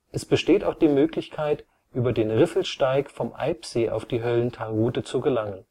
Es besteht auch die Möglichkeit, über den Riffelsteig vom Eibsee auf die Höllentalroute zu gelangen